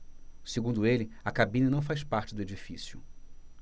segundo ele a cabine não faz parte do edifício